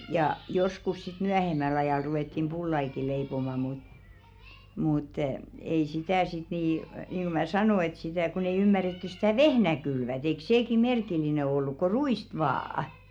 ja joskus sitten myöhemmällä ajalla ruvettiin pullaakin leipomaan mutta mutta ei sitä sitten niin niin kuin minä sanoin että sitä kun ei ymmärretty sitä vehnää kylvää eikö sekin merkillinen ollut kuin ruista vain